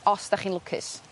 Os 'dach chi'n lwcus.